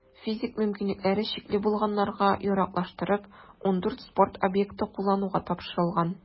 Физик мөмкинлекләре чикле булганнарга яраклаштырып, 14 спорт объекты куллануга тапшырылган.